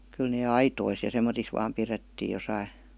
kyllä ne aitoissa ja semmoisissa vain pidettiin jossakin